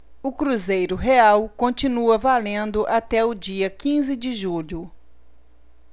o cruzeiro real continua valendo até o dia quinze de julho